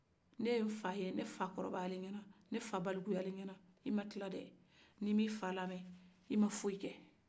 ne ye n fa ye ne fa kɔrɔbayara n ɲɛna ne fa balikuyala n ɲɛna i makila dɛ ni ma i fa lamɛn i ma fosikɛ